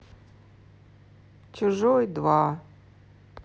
чужой два